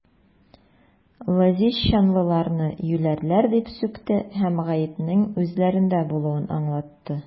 Лозищанлыларны юләрләр дип сүкте һәм гаепнең үзләрендә булуын аңлатты.